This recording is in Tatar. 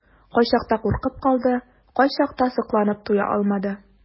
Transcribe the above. Кайчакта куркып калды, кайчакта сокланып туя алмады.